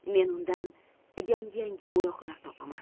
men undan yangi yangi bo'yoqlar topaman